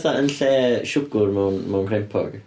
Fatha yn lle siwgr mewn mewn crempog.